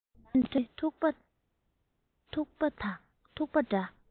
མར ཐོན ཏེ ཐུག པ འདྲ